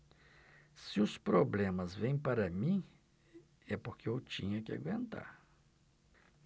se os problemas vêm para mim é porque eu tinha que aguentar